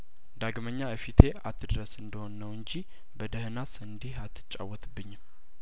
ዳግመኛ እፊቴ አት ድረስ እንደሆነ ነው እንጂ በደህናስ እንዲህ አትጫወትብኝም